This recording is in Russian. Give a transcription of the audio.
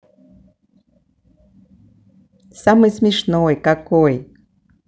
самый смешной какой